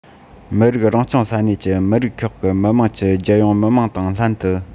མི རིགས རང སྐྱོང ས གནས ཀྱི མི རིགས ཁག གི མི དམངས ཀྱིས རྒྱལ ཡོངས མི དམངས དང ལྷན དུ